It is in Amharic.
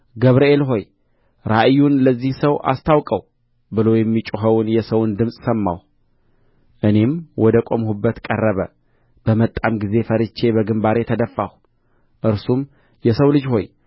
ገብርኤል ሆይ ራእዩን ለዚህ ሰው አስታውቀው ብሎ የሚጮኸውን የሰውን ድምፅ ሰማሁ እኔም ወደ ቆምሁበት ቀረበ በመጣም ጊዜ ፈርቼ በግምባሬ ተደፋሁ እርሱም የሰው ልጅ ሆይ